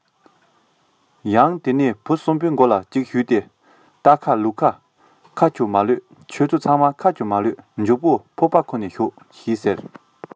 ཡང དེ ནས བུ གསུམ པའི མགོ ལ གཅིག ཞུས ཏེ རྟ ཁ ལུག ཁ ཁ ཆུ མ གློད ཁྱོད ཚོ ཚང མ ཁ ཆུ མ གློད མགྱོགས པོ ཕོར པ འཁུར ཤོག པ ཕས ཁུ མག གི ཐུག པ བླུག གོ ཟེར བཤད པས